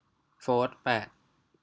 โฟธแปด